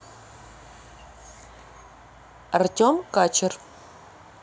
артем качер